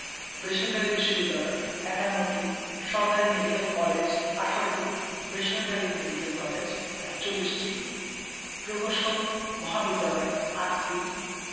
বেসরকারি বিশ্ববিদ্যালয় ৫১টি সরকারি মেডিকেল কলেজ ১৮টি বেসরকারি মেডিকেল কলেজ ৪১টি প্রকৌশল মহাবিদ্যালয় ৮টি